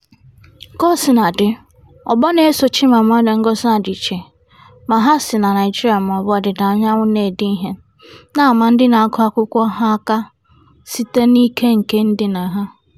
Kaosinadị, ọgbọ na-eso Chimamanda Ngozi Adichie, ma ha si na Naịjirịa maọbụ Ọdịdaanyanwụ na-ede ihe, na-ama ndị na-agụ akwụkwọ ha aka site n'ike nke ndịna ha.